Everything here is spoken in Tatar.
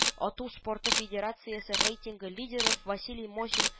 Ату спорты федерациясе рейтингы лидеры василий мосин